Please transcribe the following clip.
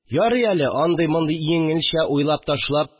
Ярый әле, андый-мондый йиңелчә уйлап ташлап